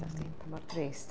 Dyna chdi pa mor drist...